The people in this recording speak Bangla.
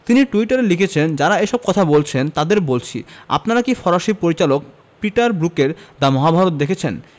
তিনি টুইটারে লিখেছেন যাঁরা এসব কথা বলছেন তাঁদের বলছি আপনারা কি ফরাসি পরিচালক পিটার ব্রুকের দ্য মহাভারত দেখেছেন